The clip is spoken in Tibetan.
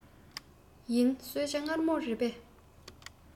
ཡིན གསོལ ཇ མངར མོ རེད པས